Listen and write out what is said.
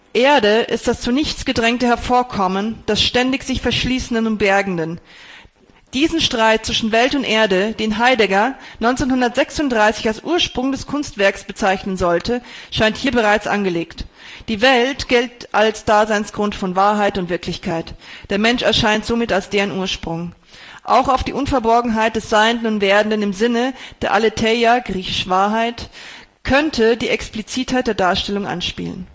Erde “ist das „ zu nichts gedrängte Hervorkommen “des „ ständig Sichverschließenden und Bergenden “. Diesen „ Streit zwischen Welt und Erde “, den Heidegger 1936 als „ Ursprung des Kunstwerks “bezeichnen sollte, scheint hier bereits angelegt. Die „ Welt “gilt als Daseinsgrund von „ Wahrheit “und „ Wirklichkeit “, der Mensch erscheint somit als deren „ Ursprung “. Auch auf die Unverborgenheit des Seienden und Werdenden im Sinne der Aletheia (griech. Wahrheit) könnte die Explizitheit der Darstellung anspielen